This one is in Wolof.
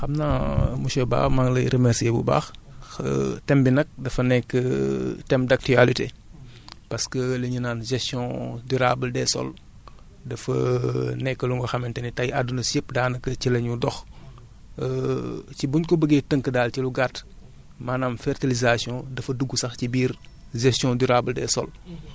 bon: fra xam naa monsieur Ba ma lay remercier bu baax thème bi nag dafa nekk thème d' actualité parce que li ñuy naan gestion durable des sols dafa nekk lu nga xamante ne tey àdduna si yépp daanaka ci la ñu dox ci buñ ko bëggee tënk daal ci lu gàtt maanaam fertilisation dafa dugg sax ci biir gestion durable des sols